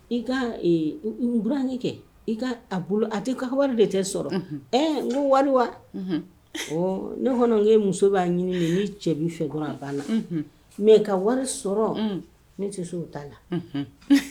I ka buran kɛ i ka bolo a tɛ kaba wari de tɛ sɔrɔ n ko wariwa nekɛ muso b'a ɲini ye cɛ min fɛ banna mɛ ka wari sɔrɔ ne tɛ so o t taa la